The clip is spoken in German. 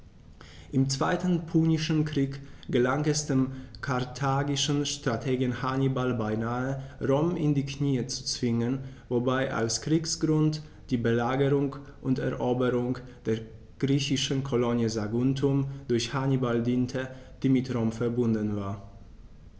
Im Zweiten Punischen Krieg gelang es dem karthagischen Strategen Hannibal beinahe, Rom in die Knie zu zwingen, wobei als Kriegsgrund die Belagerung und Eroberung der griechischen Kolonie Saguntum durch Hannibal diente, die mit Rom „verbündet“ war.